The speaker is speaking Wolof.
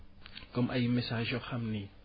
comme ay messages yoo xam ni